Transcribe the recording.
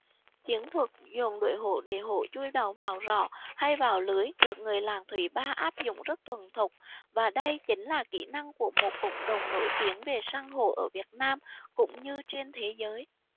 chiến thuật dồn đuổi hổ để hổ chui đầu vào rọ hay vào lưới được người làng thủy ba áp dụng rất thuần thục và đây chính là kỹ năng của một cộng đồng nổi tiếng về săn hổ ở việt nam cũng như trên thế giới